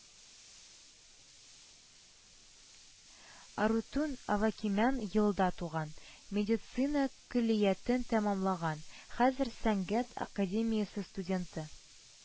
Арутюн Овакимян елда туган, медицина көллиятен тәмамлаган, хәзер - Сәнгать академиясе студенты